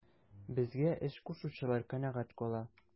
Безгә эш кушучылар канәгать кала.